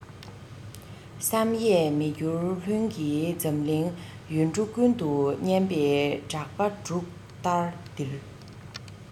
བསམ ཡས མི འགྱུར ལྷུན གྱིས འཛམ གླིང ཡུལ གྲུ ཀུན ཏུ སྙན པའི གྲགས པ འབྲུག ལྟར ལྡིར